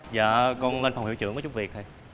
dạ con lên phòng hiệu trưởng có chút việc thầy